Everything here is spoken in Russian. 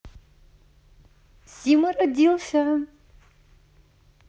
сима родился